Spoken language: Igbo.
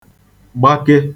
gbake